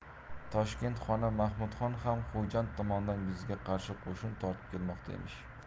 toshkent xoni mahmudxon ham xo'jand tomondan bizga qarshi qo'shin tortib kelmoqda emish